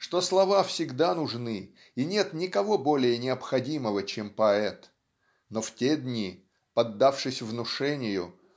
что слова всегда нужны и нет никого более необходимого чем поэт но в те дни поддавшись внушению